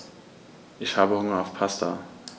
Ich habe Hunger auf Pasta.